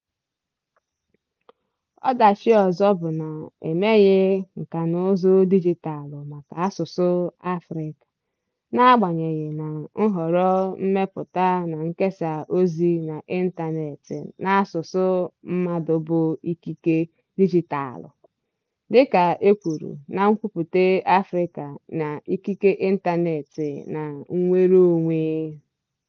Ọdachi ọzọ bụ na e meghị nkànaụzụ dijitaalụ maka asụsụ Afrịka, n'agbanyeghị na "nhọrọ mmepụta na nkesa ozi n'ịntaneetị" n'asụsụ mmadụ bụ ikike dijitaalụ, dịka e kwuru na Nkwupụta Afrịka n'Ikike Ịntaneetị na Nnwereonwe.